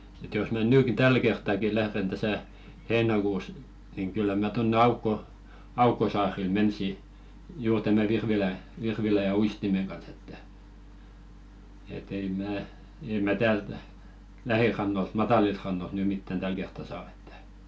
että jos minä nytkin tällä kertaakin lähden tässä heinäkuussa niin kyllä minä tuonne - aukkosaarille menisin juuri tämän virvilän virvilän ja uistimen kanssa että et ei minä ei minä täältä lähirannoilta matalilta rannoilta nyt mitään tällä kertaa saa että